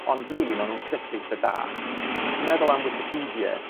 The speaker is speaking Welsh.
ond rili ma' nw'n ffit eitha da pan ti'n meddwl am wicipedie